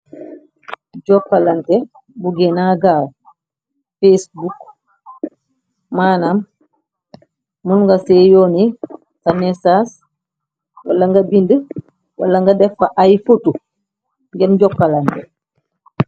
Jokkalante bu gena gaw facebook maanam mul nga see yooni sa mesas wala nga bindi wala nga defa ay futu ngen jokkalante.